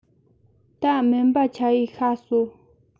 ད སྨན པ ཆ བོས ཤ ཟོ